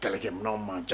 Kɛlɛki minɛnw ma